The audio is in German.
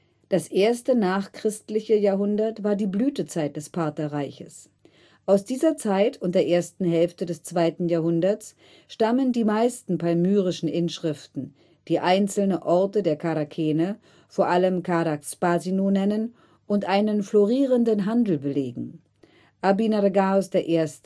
Das erste nachchristliche Jahrhundert war die Blütezeit des Partherreiches. Aus dieser Zeit und der ersten Hälfte des zweiten Jahrhunderts stammen die meisten palmyrischen Inschriften, die einzelne Orte der Charakene, vor allem Charax-Spasinu, nennen und einen florierenden Handel belegen. Abinergaos I.